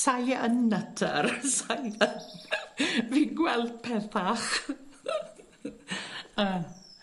Sa'i yn nyttar sai'n nyt- Fi'n gweld pethach yym.